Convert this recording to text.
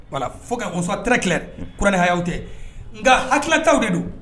foke ɔn suwa trɛ klɛr kuranɛhayaw tɛ nka hakitilalataw de do.